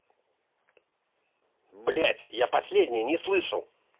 блядь я последние не слышал